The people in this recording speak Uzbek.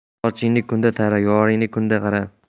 sochingni kunda tara yoringga kunda qara